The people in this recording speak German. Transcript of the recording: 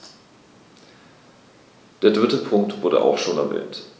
Der dritte Punkt wurde auch schon erwähnt.